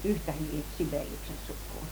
ˀyhtä hyvin 'Sib§eliuksen 'suk̆kuun.